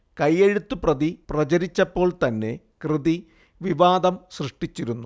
കയ്യെഴുത്തുപ്രതി പ്രചരിച്ചപ്പോൾ തന്നെ കൃതി വിവാദം സൃഷ്ടിച്ചിരുന്നു